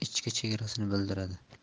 ichki chegarasini bildiradi